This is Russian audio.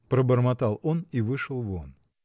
-- пробормотал он и вышел вон.